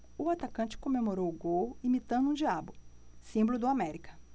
o atacante comemorou o gol imitando um diabo símbolo do américa